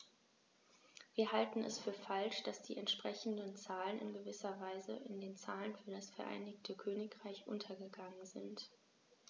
Wir halten es für falsch, dass die entsprechenden Zahlen in gewisser Weise in den Zahlen für das Vereinigte Königreich untergegangen sind.